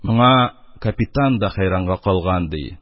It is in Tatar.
Моңа капитан да хәйранга калган, ди.